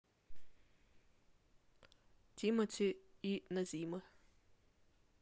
тимати и назима